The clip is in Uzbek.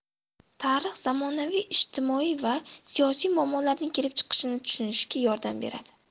tarix zamonaviy ijtimoiy va siyosiy muammolarning kelib chiqishini tushunishga yordam beradi